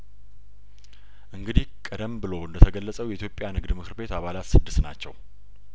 እንግዲህ ቀደም ብሎ እንደተገለጸው የኢትዮጵያ ንግድ ምክር ቤት አባላት ስድስት ናቸው